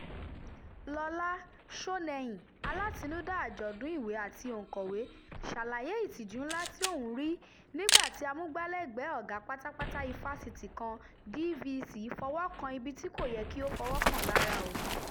Lọlá Ṣónẹ́yìn, alátinúdáa àjọ̀dún ìwé àti òǹkọ̀wé, ṣàlàyé "ìtìjú ńlá" tí òhún rí nígbà tí amúgbálẹ́gbẹ̀ẹ́ ọ̀gá pátápátá ifásitì kan (DVC) fọwọ́ kan ibi tí kò yẹ kí ó fọwọ́ kàn lára òun: